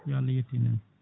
yo Allah yettinan en